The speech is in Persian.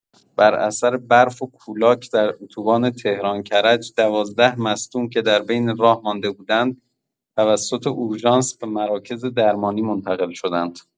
بر اثر برف و کولاک در اتوبان تهران کرج ۱۲ مصدوم که در بین راه مانده بودند توسط اورژانس به مراکز درمانی منتقل شدند.